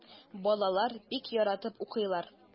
Балалар бик яратып укыйлар.